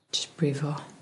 Js brifo.